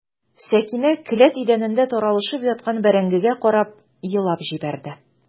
Сәкинә келәт идәнендә таралышып яткан бәрәңгегә карап елап җибәрде.